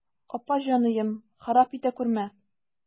Апа җаныем, харап итә күрмә.